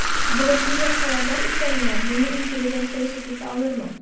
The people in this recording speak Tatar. Бүгенге яшь талантлар исәбенә милли интеллигенция үсеп китә алырмы?